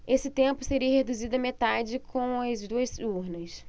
esse tempo seria reduzido à metade com as duas urnas